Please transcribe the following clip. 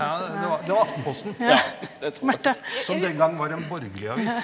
ja ja det var det var Aftenposten som den gang var en borgerlig avis.